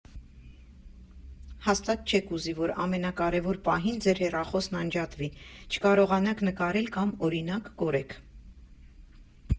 Հաստատ չեք ուզի, որ ամենակարևոր պահին ձեր հեռախոսն անջատվի, չկարողանաք նկարել կամ օրինակ՝ կորեք։